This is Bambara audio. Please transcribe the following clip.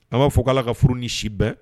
An b'a fɔ k'Ala ka furu ni si bɛn